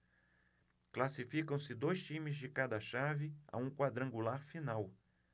classificam-se dois times de cada chave a um quadrangular final